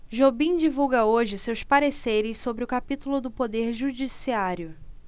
jobim divulga hoje seus pareceres sobre o capítulo do poder judiciário